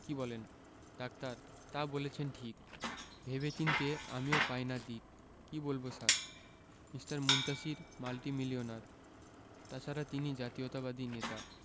কি বলেন ডাক্তার তা বলেছেন ঠিক ভেবে চিন্তে আমিও পাই না দিক কি বলব স্যার মিঃ মুনতাসীর মাল্টিমিলিওনার তাছাড়া তিনি জাতীয়তাবাদী নেতা